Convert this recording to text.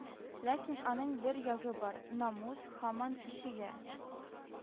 Ләкин аның бер ягы бар: «Намус» һаман кичегә